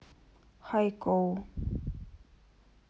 хайкоу